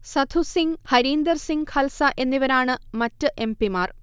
സധു സിങ്, ഹരീന്ദർ സിങ് ഖൽസ എന്നിവരാണു മറ്റ് എംപിമാർ